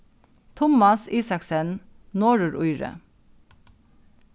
tummas isaksen norðuríri